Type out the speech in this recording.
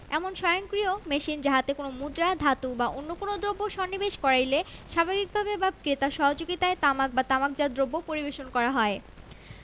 এমন স্বয়ংক্রিয় মেশিন যাহাতে কোন মুদ্রা ধাতু বা অন্য কোন দ্রব্য সন্নিবেশ করাইয়া স্বাভাবিকভাবে বা ক্রেতার সহযোগিতায় তামাক বা তামাকজাত দ্রব্য পরিবেশন করা হয়